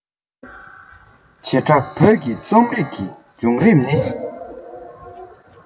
བྱེ བྲག བོད ཀྱི རྩོམ རིག གི བྱུང རིམ ནི